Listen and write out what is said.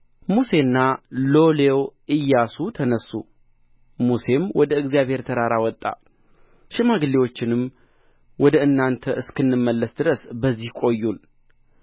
ሙሴና ሎሌው ኢያሱ ተነሡ ሙሴም ወደ እግዚአብሔር ተራራ ወጣ ሽማግሌዎችንም ወደ እናንተ እስክንመለስ ድረስ በዚህ ቆዩን